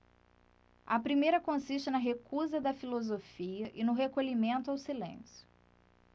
a primeira consiste na recusa da filosofia e no recolhimento ao silêncio